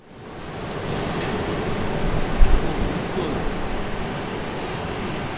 call против тонуса